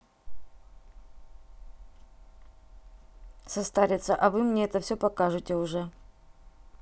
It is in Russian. состарится а вы мне это все покажите уже